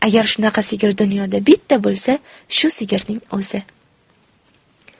agar shunaqa sigir dunyoda bitta bo'lsa shu sigirning o'zi